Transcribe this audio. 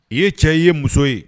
I ye cɛ ye , i ye muso ye.